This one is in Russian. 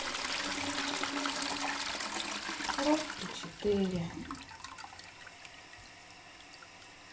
рокки четыре